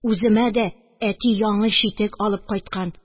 Үземә дә әти яңы читек алып кайткан